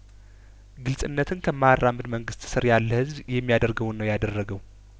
ግልጽነትን ከማ ያራምድ መንግስት ስር ያለህዝብ የሚያደርገውን ነው ያደረገው